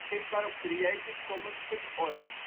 52° 06 ' NB, 6° 32 ' OL